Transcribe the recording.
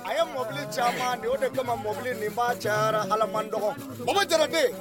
A ye mɔbili caman nin o de kama ma mɔbili nin ma ca ha dɔgɔ o ma jaraden